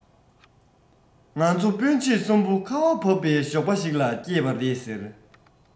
ང ཚོ སྤུན མཆེད གསུམ པོ ཁ བ བབས པའི ཞོགས པ ཞིག ལ སྐྱེས པ རེད ཟེར